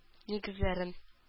Нигезләрен